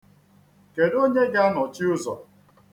Kedụ onye ga-anọchi ụzọ?